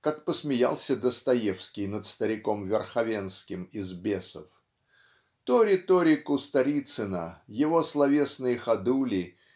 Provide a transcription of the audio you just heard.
как посмеялся Достоевский над стариком Верховенским из "Бесов" то риторику Сторицына его словесные ходули